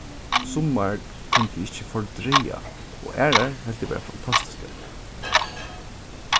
summar kundi eg ikki fordraga og aðrar helt eg vera fantastiskar